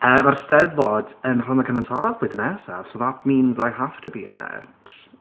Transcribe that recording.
Yy, mae'r Steddfod yn Rhondda Cynon Taf blwyddyn nesaf. So that means I have to be in it.